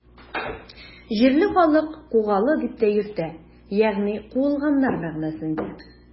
Җирле халык Кугалы дип тә йөртә, ягъни “куылганнар” мәгънәсендә.